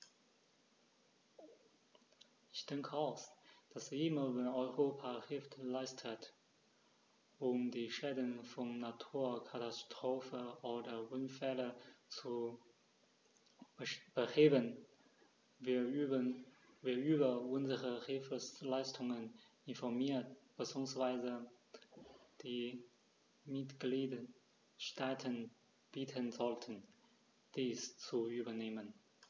Ich denke auch, dass immer wenn Europa Hilfe leistet, um die Schäden von Naturkatastrophen oder Unfällen zu beheben, wir über unsere Hilfsleistungen informieren bzw. die Mitgliedstaaten bitten sollten, dies zu übernehmen.